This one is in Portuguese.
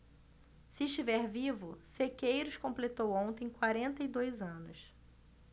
se estiver vivo sequeiros completou ontem quarenta e dois anos